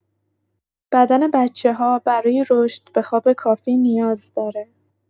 بدن بچه‌ها برای رشد به خواب کافی نیاز داره.